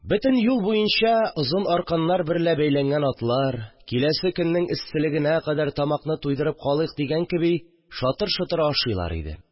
Бөтен юл буенча озын арканнар берлә бәйләнгән атлар, киләсе көннең эсселегенә кадәр тамакны туйдырып калыйк дигән кеби, шатыр-шотыр ашыйлар иде